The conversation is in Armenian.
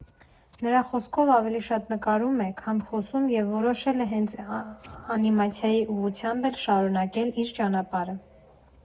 Նրա խոսքով՝ ավելի շատ նկարում է, քան խոսում և որոշել է հենց անիմացիայի ուղղությամբ էլ շարունակել իր ճանապարհը։